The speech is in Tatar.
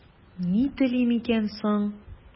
Ни телим икән соң?